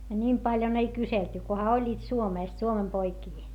a nimiä paljon ei kyselty kunhan olivat Suomesta Suomen poikia